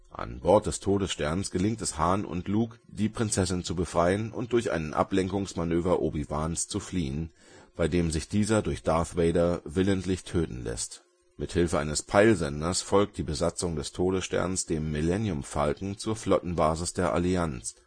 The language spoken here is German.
An Bord des Todessterns gelingt es Han und Luke, die Prinzessin zu befreien und durch ein Ablenkungsmanöver Obi-Wans zu fliehen, bei dem sich dieser durch Darth Vader willentlich töten lässt. Mithilfe eines Peilsenders folgt die Besatzung des Todessterns dem Millennium Falcon zur Flottenbasis der Allianz